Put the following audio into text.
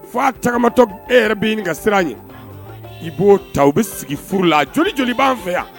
F'a tagamatɔ e yɛrɛ bɛ ɲini ka siran a ɲɛye i b'o ta u bɛ sigi furu la joli joli b'an fɛ yan